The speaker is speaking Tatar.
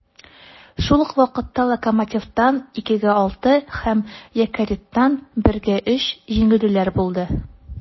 Шул ук вакытта "Локомотив"тан (2:6) һәм "Йокерит"тан (1:3) җиңелүләр булды.